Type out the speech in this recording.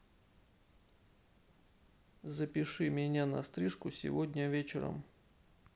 запиши меня на стрижку сегодня вечером